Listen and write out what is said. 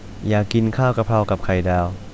อยากกินข้าวกะเพรากับไข่ดาว